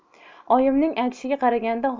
oyimning aytishiga qaraganda